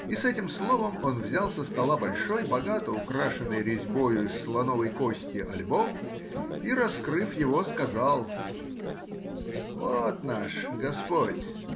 И с этим словом он взял со стола большой, богато украшенный резьбою из слоновой кости, альбом и, раскрыв его, сказал — Вот наш господь!